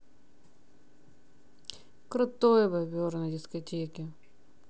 крутой бобер на дискотеке